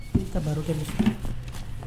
Ka barokɛ